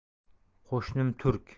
qo'shnim turk